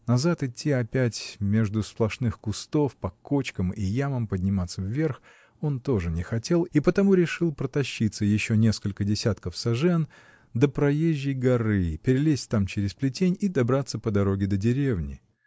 Назад идти опять между сплошных кустов, по кочкам и ямам подниматься вверх он тоже не хотел и потому решил протащиться еще несколько десятков сажен до проезжей горы, перелезть там через плетень и добраться по дороге до деревни.